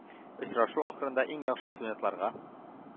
Очрашу ахырында иң яхшы студентларга